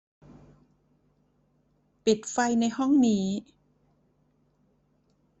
ปิดไฟในห้องนี้